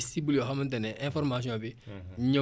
ñoom la koy yónnee léegi ñoom ñu tasaare ko